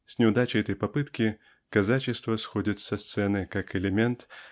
С неудачей этой попытки казачество сходит со сцены как элемент